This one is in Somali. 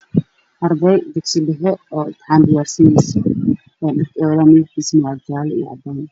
Arday dugsi joogto oo imtaxan diyaarinayso